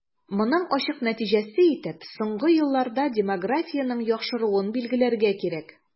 Моның ачык нәтиҗәсе итеп соңгы елларда демографиянең яхшыруын билгеләргә кирәк.